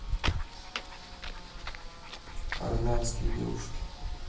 армянские девушки